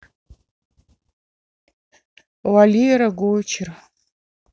валера гочер